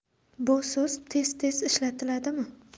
bu so'z tez tez ishlatiladimi